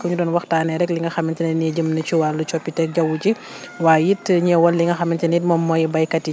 ñu doon waxtaanee rek li nga xamante ne nii jëm na ci wàllu coppiteg jaww ji waaye it ñeewal li nga xamante ni moom mooy béykat yi